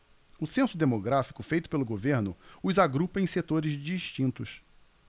o censo demográfico feito pelo governo os agrupa em setores distintos